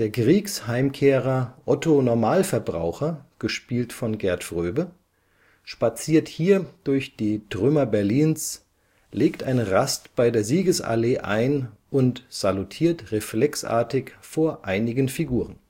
Kriegsheimkehrer Otto Normalverbraucher (gespielt von Gert Fröbe) spaziert hier durch die Trümmer Berlins, legt eine Rast bei der Siegesallee ein und salutiert reflexartig vor einigen Figuren